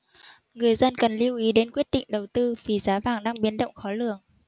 người dân cần lưu ý đến quyết định đầu tư vì giá vàng đang biến động khó lường